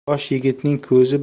yosh yigitning ko'zi